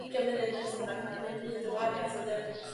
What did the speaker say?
ugian munud ne' beth bynnag ma'n gneud byd o wahaniath wedyn